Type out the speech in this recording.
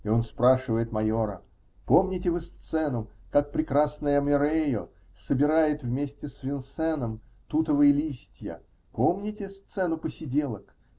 -- И он спрашивает майора: помните вы сцену, как прекрасная Мирейо собирает вместе с Винсэном тутовые листья? Помните сцену посиделок?